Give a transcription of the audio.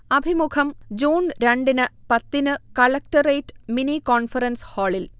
അഭിമുഖം ജൂൺ രണ്ടിന് പത്തിന് കളക്ടറേറ്റ് മിനി കോൺഫറൻസ് ഹാളിൽ